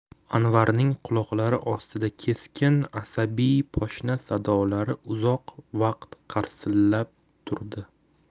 anvarning quloqlari ostida keskin asabiy poshna sadolari uzoq vaqt qarsillab turdi